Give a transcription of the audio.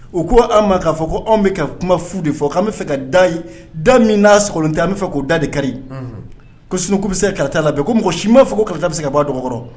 U ko anw ma ka fɔ ko anw bi ka kuma fu de fɔ. kann bi fɛ ka da ye da min na sɔgɔlen tɛ ,an bi fɛ ko da de kari . Ko sinon ku bi se ka kalata labɛn ko mɔgɔ si ma fɔ ko kalata bɛ se ka bɔ a dɔgɔ kɔrɔ.